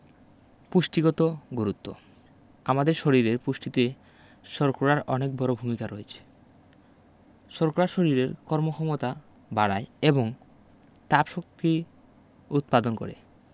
পুষ্টিগত গুরুত্ব আমাদের শরীরের পুষ্টিতে শর্করার অনেক বড় ভূমিকা রয়েছে শর্করা শরীরের কর্মক্ষমতা বাড়ায় এবং তাপশক্তি উৎপাদন করে